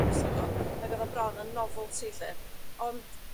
y fyso fo ag odd o bron yn novelty 'lly, ond